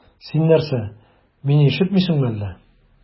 Син нәрсә, мине ишетмисеңме әллә?